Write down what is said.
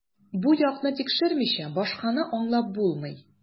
Бу якны тикшермичә, башканы аңлап булмый.